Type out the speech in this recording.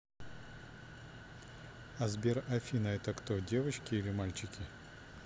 а сбер афина это кто девочки или мальчики